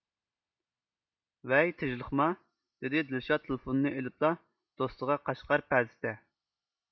ۋەي تېژلىقما دىدى دىلشاد تېلىفوننى ئېلىپلا دوستىغا قەشقەر پەدىسىدە